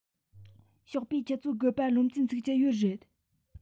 ཞོགས པའི ཆུ ཚོད དགུ པར སློབ ཚན ཚུགས ཀྱི ཡོད རེད